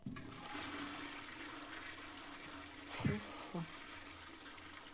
ф ф